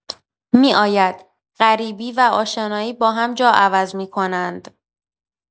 می‌آید، غریبی و آشنایی با هم جا عوض می‌کنند.